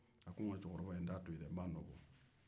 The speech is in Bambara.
a ko nka n tɛ cɛkɔrɔba in to yen n b'a nɔbɔ